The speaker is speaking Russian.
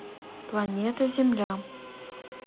планета земля